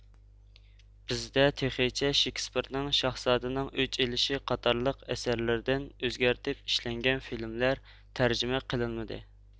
بىزدە تېخىچە شېكېسپېرنىڭ شاھزادىنىڭ ئۆچ ئېلىشى قاتارلىق ئەسەرلىرىدىن ئۆزگەرتىپ ئىشلەنگەن فىلىملەر تەرجىمە قىلىنمىدى